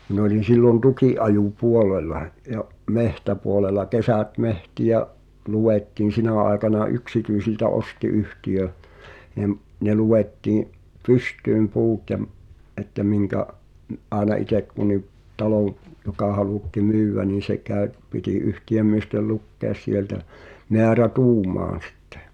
minä olin silloin tukinajopuolella ja metsäpuolella kesät metsiä luettiin sinä aikana yksityisiltä osti yhtiö niin ne luettiin pystyyn puut ja - että minkä - aina itse kunkin talon joka halutti myydä niin se - piti yhtiömiesten lukea sieltä määrätuumaan sitten